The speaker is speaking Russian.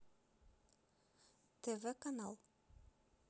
тв канал